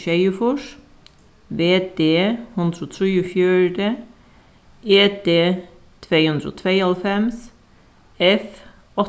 sjeyogfýrs v d hundrað og trýogfjøruti e d tvey hundrað og tveyoghálvfems f